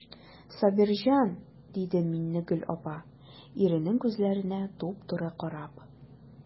Сабирҗан,– диде Миннегөл апа, иренең күзләренә туп-туры карап.